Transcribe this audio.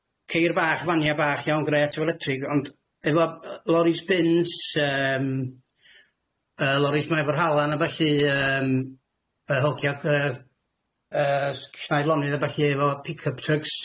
Ceir bach, fania bach, iawn grêt efo'r electric. Ond hefo yy loris bins yym, y loris 'ma efo'r halan a ballu yym, yr hogia c- yy s- c- llnau lonydd a ballu efo pick-up trucks.